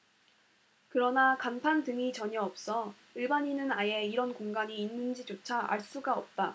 그러나 간판 등이 전혀 없어 일반인은 아예 이런 공간이 있는지조차 알 수가 없다